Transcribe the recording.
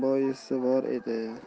boisi bor edi